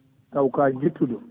taw ka guittuɗo